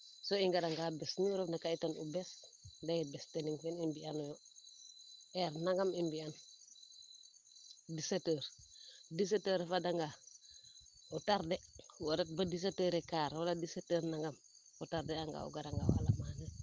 so i ngara nga bes fuu refna ka i tan u bes leye bes tening fene i mbiyanoyo heure nangam i mbiyan 17 heure 17 heeure a fada ngaa o tarde o ret bo 17 heure et quart o ret bo 17 heure nangam o tarde anga o gara nga o alemande el